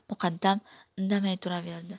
muqaddam indamay turaverdi